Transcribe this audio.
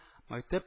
Мәктәп